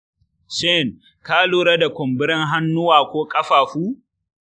shin ka lura da kumburin hannuwa ko ƙafafu?